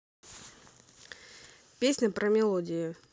песня про мелодии